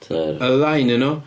Y ddau ohonyn nhw.